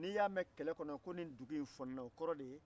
n'i y'a mɛn kɛlɛ kɔnɔ ko nin dugu in fonina o kɔrɔ de ye